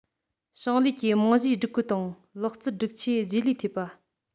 ཞིང ལས ཀྱི རྨང གཞིའི སྒྲིག བཀོད དང ལག རྩལ སྒྲིག ཆས རྗེས ལུས ཐེབས པ